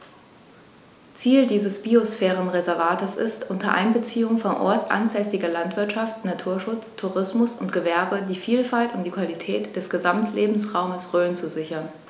Ziel dieses Biosphärenreservates ist, unter Einbeziehung von ortsansässiger Landwirtschaft, Naturschutz, Tourismus und Gewerbe die Vielfalt und die Qualität des Gesamtlebensraumes Rhön zu sichern.